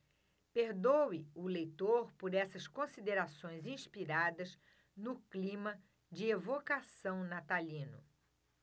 perdoe o leitor por essas considerações inspiradas no clima de evocação natalino